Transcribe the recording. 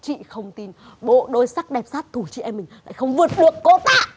chị không tin bộ đôi sắc đẹp sát thủ chị em mình lại không vượt được cô ta